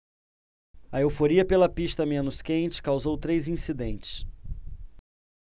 a euforia pela pista menos quente causou três incidentes